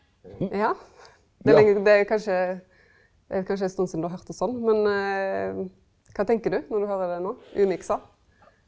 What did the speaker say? ja det er det er kanskje det er kanskje ei stund sidan du har høyrt det sånn, men kva tenker du når du høyrer det nå umiksa?